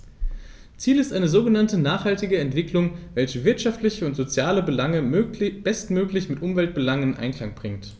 Ziel ist eine sogenannte nachhaltige Entwicklung, welche wirtschaftliche und soziale Belange bestmöglich mit Umweltbelangen in Einklang bringt.